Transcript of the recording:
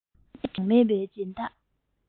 དངུལ ལོར གཅིག ཀྱང མེད པའི སྦྱིན བདག